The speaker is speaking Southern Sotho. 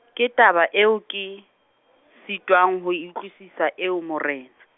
ke taba eo ke , sitwang ho e utlwisisa eo Morena.